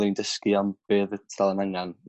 odda ni'n dysgu am be' odd y tudalen angan